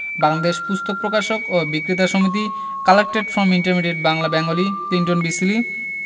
বাংলাদেশ পুস্তক প্রকাশক ও বিক্রেতা সমিতি collected from intermediate Bangla Bengali Clinton B Seely